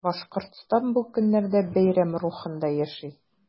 Башкортстан бу көннәрдә бәйрәм рухында яши.